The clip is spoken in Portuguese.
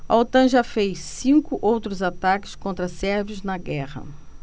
a otan já fez cinco outros ataques contra sérvios na guerra